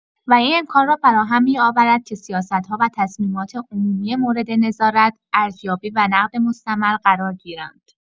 و این امکان را فراهم می‌آورد که سیاست‌ها و تصمیمات عمومی مورد نظارت، ارزیابی و نقد مستمر قرار گیرند.